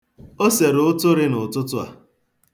O sere ụtịrị n'ụtụtụ a.